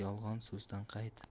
yolg'on so'zdan qayt